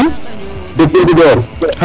depuis Ndindor